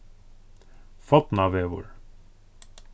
fornavegur